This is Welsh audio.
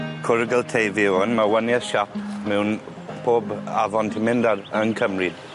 Cwrygl Teifi yw 'wn ma' wanieth siâp miwn pob afon ti'n mynd ar yn Cymru.